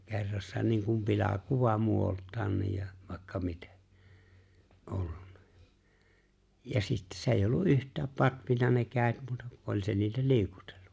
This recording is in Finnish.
kerrassa niin kuin pilakuva muodoltaankin ja vaikka miten ollut ja sitten se ei ollut yhtään patvinut ne kädet muuta kuin oli se niitä liikutellut